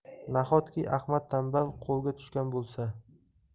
nahotki ahmad tan bal qo'lga tushgan bo'lsa